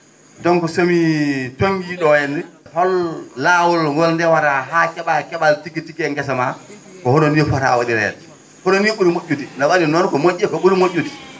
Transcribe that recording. donc somi tonngii ?o henne hol laawol ngol ndewata haa ke?aa ke?al tigi tigi e ngesa maa ko hono ni fota wa?ireede premier ?uri mo??ude ne wa?i noon ko mo??i e ko ?uri mo??ude